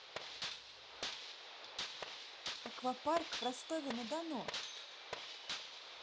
аквапарк в ростове на дону